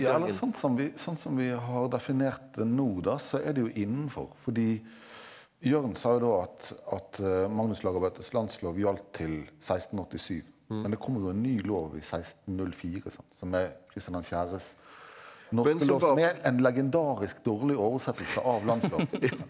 ja eller sånn som vi sånn som vi har definert det nå da så er det jo innenfor fordi Jørn sa jo da at at Magnus Lagabøtes landslov gjaldt til sekstenåttisyv, men det kommer jo en ny lov i 1604 sant som er Kristian den fjerdes norske lov som er en legendarisk dårlig oversettelse av Landsloven.